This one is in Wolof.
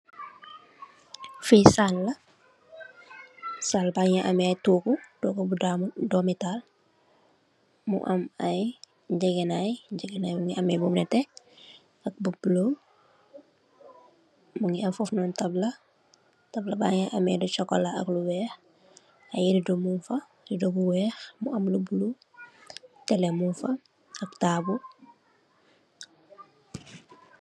Fi sàl la, sàl ba ngi ameh ay tóógu, tóógu bu doomi tahal, mu am ay ngegenai, ngegenai bi mugii ameh lu netteh ak bu bula mugii am fof non tabla, tabla ba ngi ameh lu sokola ak lu wèèx ay redo mug fa, redo bu wèèx mu am lu bula, tele mung fa ak tabull.